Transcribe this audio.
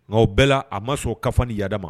Nka o bɛɛ la a ma sɔn kafa ni yada ma